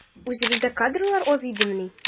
Үзебездә кадрлар аз идемени?